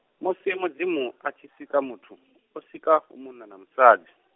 musi Mudzimu atshi sika muthu, o sika hu munna na musadzi.